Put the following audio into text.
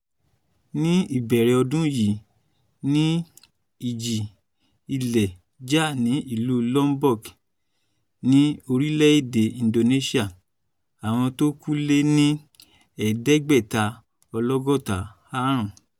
Ní ìbẹ̀rẹ̀ ọdún yìí ni ijì-ilẹ̀ jà ní ìlú Lombok ní orílẹ̀-èdè Indonesia. Àwọn t’ọ́n kú lé ni 550.